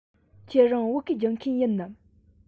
ཁྱོད རང བོད སྐད སྦྱོང མཁན ཡིན ནམ